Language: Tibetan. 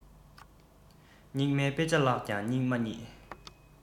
སྙིགས མའི དཔེ ཆ བཀླགས ཀྱང སྙིགས མ ཉིད